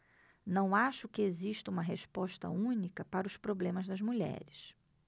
não acho que exista uma resposta única para os problemas das mulheres